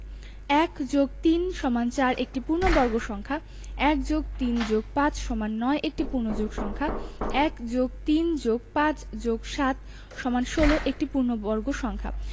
১+৩=৪ একটি পূর্ণবর্গ সংখ্যা ১+৩+৫=৯ একটি পূর্ণযোগ সংখ্যা ১+৩+৫+৭=১৬ একটি পূর্ণবর্গ সংখ্যা